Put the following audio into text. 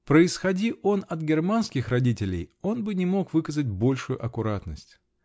Происходи он от германских родителей, он бы не мог выказать большую аккуратность.